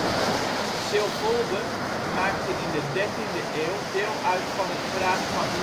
Silvolde maakte in de dertiende eeuw deel uit van het graafschap